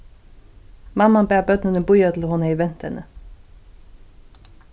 mamman bað børnini bíða til hon hevði vent henni